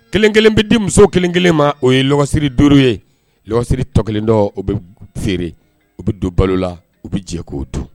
Kelen- kelen bɛ denmuso kelenkelen ma o ye siri duuru ye siri tɔ kelen dɔ o bɛ feereere u bɛ don balo la u bɛ jɛ k'o don